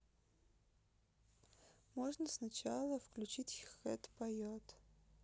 можно сначала включить хед поет